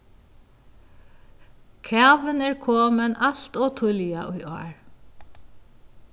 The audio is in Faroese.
kavin er komin alt ov tíðliga í ár